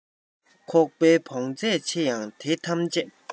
ཁོག པའི བོངས ཚད ཆེ ཡང དེ ཐམས ཅད